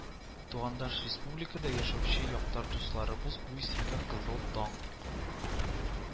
Тугандаш республикада яшәүче якташ дусларыбыз бу исемгә Кызыл таң